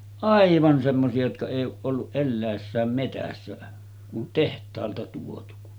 aivan semmoisia jotka ei ole ollut eläessään metsässä kun tehtaalta tuotu